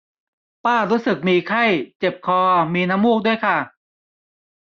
ป้ารู้สึกมีไข้เจ็บคอมีน้ำมูกด้วยค่ะ